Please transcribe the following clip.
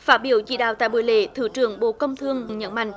phát biểu chỉ đạo tại buổi lễ thứ trưởng bộ công thương nhấn mạnh